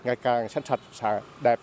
ngày càng xanh sạch sáng đẹp